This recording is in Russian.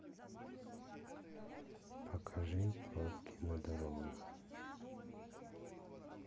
покажи пробки на дорогах